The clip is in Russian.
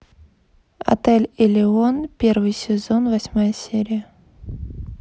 отель элеон первый сезон восьмая серия